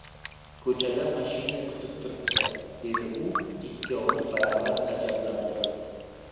ko'chada mashina kutib turibdi dedi u ikkovini baravar ajablantirib